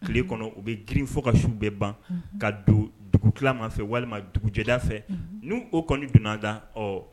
Tile kɔnɔ u bɛ grin fɔ ka suw bɛɛ ban ka don dugu tilama fɛ walima dugujɛ fɛ n' o kɔni donnada ɔ